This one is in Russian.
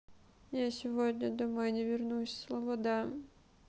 я сегодня домой не вернусь слобода